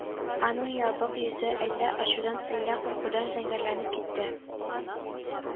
Аның ябык йөзе әллә ачудан, әллә куркудан зәңгәрләнеп китте